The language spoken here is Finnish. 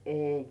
ei